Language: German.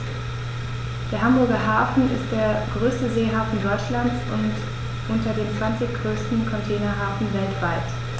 Der Hamburger Hafen ist der größte Seehafen Deutschlands und unter den zwanzig größten Containerhäfen weltweit.